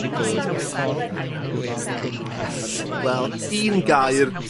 wedi bod y ffordd anghywir o gwmpas. Wel un gair